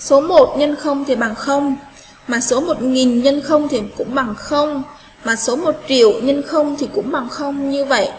số nhưng không thì bằng mã số nhân tiền cũng bằng không mã số triệu nhưng không thì cũng bằng không như vậy